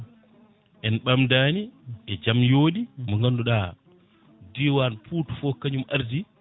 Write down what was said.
en ɓamdani e jaam yooɗi mon ganduɗa diwan Pout kañum ardi